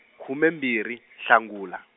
khume mbirhi, Nhlangula.